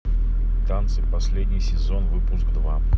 танцы последний сезон выпуск два